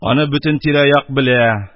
Аны бөтен тирә-як белә,